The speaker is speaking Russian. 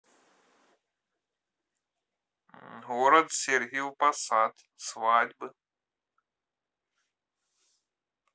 город сергиев посад свадьбы